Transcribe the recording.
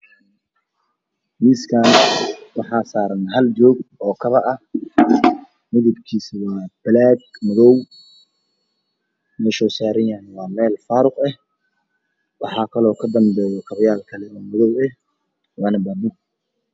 Miiskaan waxaa saaran hal joog oo kabo ah midabkiisuna waa madow meesha uu saaran yahay na waa meel faaruq ah. Waxaa kaloo kadambeeyo kabo kale oo buudbuud ah.